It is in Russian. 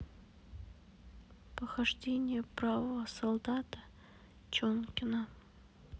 похождения бравого солдата чонкина